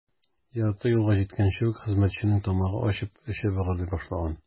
Ярты юлга җиткәнче үк хезмәтченең тамагы ачып, эче быгырдый башлаган.